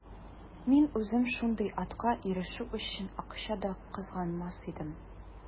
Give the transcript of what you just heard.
Мин үзем шундый атка ирешү өчен акча да кызганмас идем.